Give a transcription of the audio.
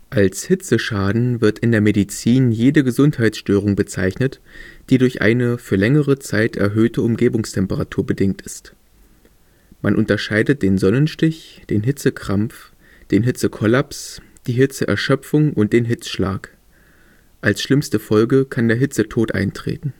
Als Hitzeschaden wird in der Medizin jede Gesundheitsstörung bezeichnet, die durch eine für längere Zeit erhöhte Umgebungstemperatur bedingt ist. Man unterscheidet den Sonnenstich, den Hitzekrampf, den Hitzekollaps, die Hitzeerschöpfung und den Hitzschlag. Als schlimmste Folge kann der Hitzetod eintreten